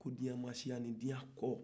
ko diɲa masirannen diya kɔ